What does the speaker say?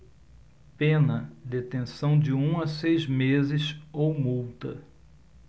pena detenção de um a seis meses ou multa